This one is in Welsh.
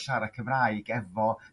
siarad Cymraeg efo